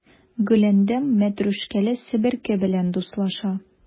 Гөләндәм мәтрүшкәле себерке белән дуслаша.